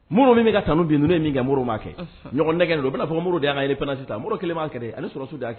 Mori min bɛ ka tan bin n min kɛ muru ma kɛ ɲɔgɔngɛn don bɛna'a fɔ mori y' fana sisan mori kelen kɛ sɔrɔ' kɛ